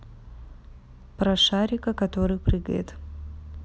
про шарика который прыгает